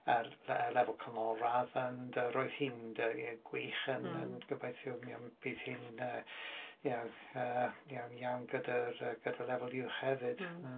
A'r lefel canolradd and yy... Roedd hi'n d- gwych and gobeithio y'know, bydd hi'n y'know, yy iawn gyda'r lefel uwch hefyd.